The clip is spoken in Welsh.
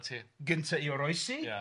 gynta i oroesi ia.